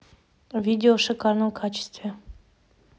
видео в шикарном качестве